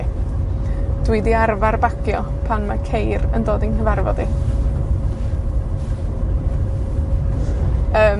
i. Dwi 'di arfar bagio pan ma' ceir yn dod i'n nghyfarfod i. Yym,